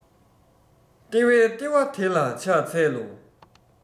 ལྟེ བའི ལྟེ བ དེ ལ ཕྱག འཚལ ལོ